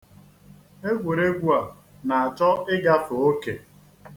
Egwuruegwu a na-achọ ịgafe oke.